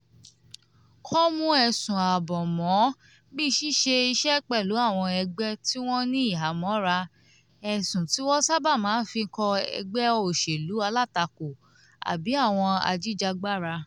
Kò mú ẹ̀sùn ààbò mọ́ ọ, bíi ṣíṣe iṣẹ́ pẹ̀lú àwọn ẹgbẹ́ tí wọ́n ní ìhámọ́ra — ẹ̀sùn tí wọ́n sábà máa ń fi kan ẹgbẹ́ òṣèlú alátakò àbí àwọn ajìjàgbara.